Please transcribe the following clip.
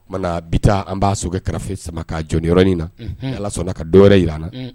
Oumana bi taa an b'a sokɛ kɛrɛfɛ sama jɔn yɔrɔ in na ala sɔnna ka dɔwɛrɛ jira an na